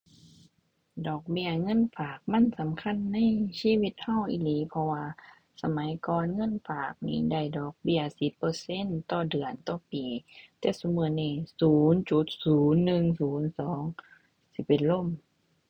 ดอกเบี้ยเงินฝากมันสำคัญในชีวิตเราอีหลี เพราะว่าสมัยก่อนเงินฝากนี่ได้ดอกเบี้ยสิบเปอร์เซ็นต์ต่อเดือนต่อปี แต่ซุมื้อนี้ศูนย์จุดศูนย์หนึ่ง ศูนย์สอง สิเป็นลม